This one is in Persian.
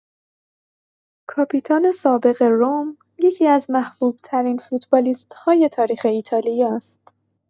کاپیتان سابق رم، یکی‌از محبوب‌ترین فوتبالیست‌های تاریخ ایتالیاست.